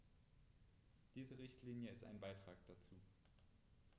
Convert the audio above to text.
Diese Richtlinie ist ein Beitrag dazu.